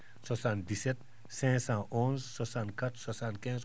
77 511 64 75